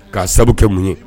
K'a sababu kɛ mun ye